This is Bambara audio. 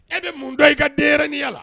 E bɛ mun da i ka den yɛrɛ ni yala la